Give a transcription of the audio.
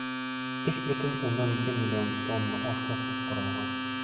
3,2 млн тонна ашлык суктырылган.